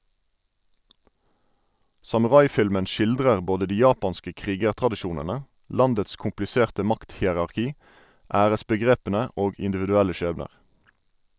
Samuraifilmen skildrer både de japanske krigertradisjonene, landets kompliserte makthierarki, æresbegrepene og individuelle skjebner.